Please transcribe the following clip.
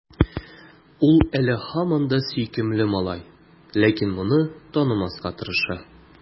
Ул әле һаман да сөйкемле малай, ләкин моны танымаска тырыша.